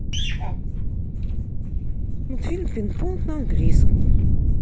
мультфильм пинг понг на английском